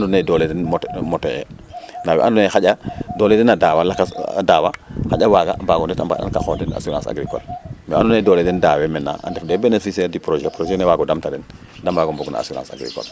we andoona ye doole den motee we andoona yee xaƴa doole den a daawa lakas dawa xaƴa waaga a mbaaga ndet a mbaɗatka den assurance agricole yee andoona yee doole den daawee maintenant a ndef des bénéficiaire du projet projet ne waag o damta den da mbaag o mbog no assurance agricole